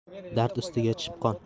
dard ustiga chipqon